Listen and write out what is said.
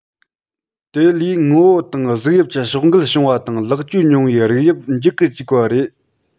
དེ ལས ངོ བོ དང གཟུགས དབྱིབས ཀྱི ཕྱོགས འགལ བྱུང བ དང ལེགས བཅོས ཉུང བའི རིགས དབྱིབས འཇིག གི བཅུག པ རེད